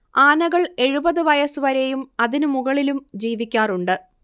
ആനകൾ എഴുപത് വയസ്സ് വരെയും അതിനു മുകളിലും ജീവിക്കാറുണ്ട്